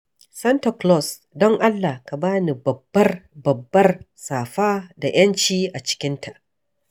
Santa Claus, don Allah ka ba ni babbar babbar safa da 'yanci a cikinta.